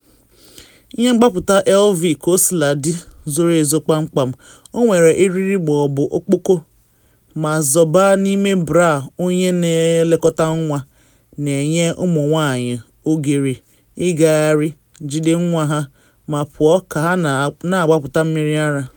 Ihe Mgbapụta Elvie kaosiladị, zoro ezo kpamkpam, ọ nwere eriri ma ọ bụ okpoko ma zobaa n’ime bra onye na elekọta nwa, na enye ụmụ nwanyị ogere ịgagharị, jide nwa ha, ma pụọ ka ha na agbapụta mmiri ara.